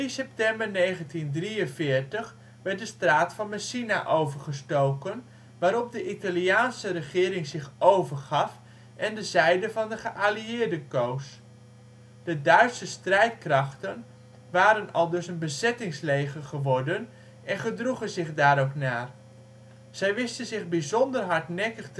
september 1943 werd de Straat van Messina overgestoken, waarop de Italiaanse regering zich overgaf en de zijde van de geallieerden koos. De Duitse strijdkrachten waren aldus een bezettingsleger geworden en gedroegen zich daar ook naar. Zij wisten zich bijzonder hardnekkig